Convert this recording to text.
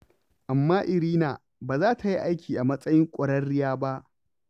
Amma Irina ba za ta yi aiki a matsayin ƙwararriya ba.